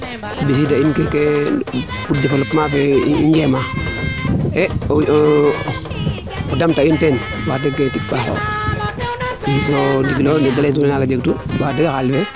ɓisiida in keeke developpement fe i njeema e o damta in teen wax deg keene tig paaxo i so ne de ley tuuna naga jegtu wax deg xalis fee